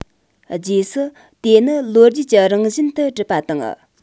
རྗེས སུ དེ ནི ལོ རྒྱུས ཀྱི རང བཞིན དུ གྲུབ པ དང